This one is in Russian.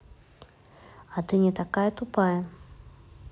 а ты не такая тупая